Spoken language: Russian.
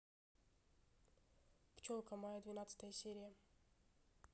пчелка майя двенадцатая серия